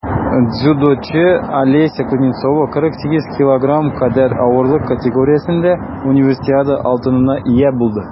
Дзюдочы Алеся Кузнецова 48 кг кадәр авырлык категориясендә Универсиада алтынына ия булды.